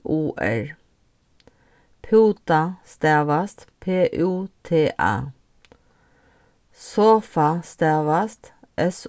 u r púta stavast p ú t a sofa stavast s